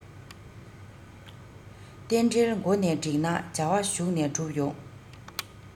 རྟེན འབྲེལ མགོ ནས འགྲིག ན བྱ བ གཞུག ནས འགྲུབ ཡོང